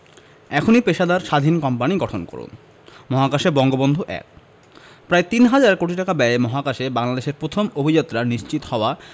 এখনই পেশাদারি স্বাধীন কোম্পানি গঠন করুন মহাকাশে বঙ্গবন্ধু ১ প্রায় তিন হাজার কোটি টাকা ব্যয়ে মহাকাশে বাংলাদেশের প্রথম অভিযাত্রা নিশ্চিত হওয়া